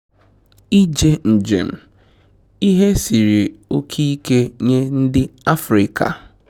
Ije njem: Ihe siri oke ike nye ndị Afrịka